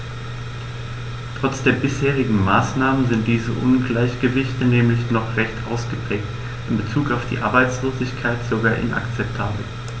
Trotz der bisherigen Maßnahmen sind diese Ungleichgewichte nämlich noch recht ausgeprägt, in bezug auf die Arbeitslosigkeit sogar inakzeptabel.